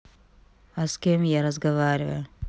а с кем я разговариваю